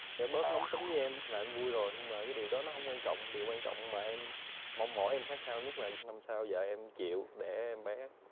dạ bớt nóng tính với em là em vui rồi nhưng mà cái điều đó nó không quan trọng điều quan trọng mà em mong mỏi em khát khao nhất là năm sau vợ em chịu đẻ em bé